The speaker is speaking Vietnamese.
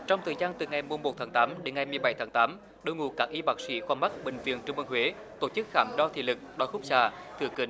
trong thời gian từ ngày mùng một tháng tám đến ngày mười bảy tháng tám đội ngũ các y bác sĩ khoa mắt bệnh viện trung ương huế tổ chức khám đo thị lực đo khúc xạ thử kính